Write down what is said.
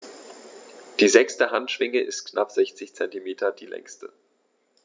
Die sechste Handschwinge ist mit knapp 60 cm die längste.